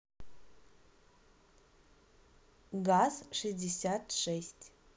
газ шестьдесят шесть